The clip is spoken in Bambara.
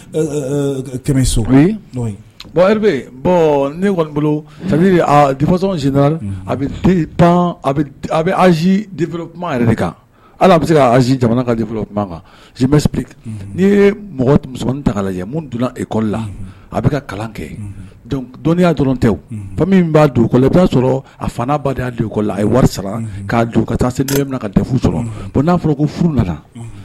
Sɔn a bɛ az de kan ala bɛ se az jamana kan' mɔgɔ musoman ta mun donna ekɔ la a bɛ ka kalan kɛ dɔnnii y' dɔrɔn tɛ min b'a' sɔrɔ a fana ba kɔ a wari sara k' juru ka taa seli bɛna ka sɔrɔ n'a fɔra ko furu nana